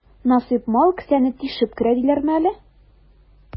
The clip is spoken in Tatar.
Насыйп мал кесәне тишеп керә диләрме әле?